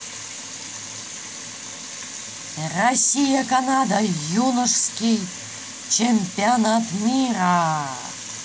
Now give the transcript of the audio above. россия канада юношский чемпионат мира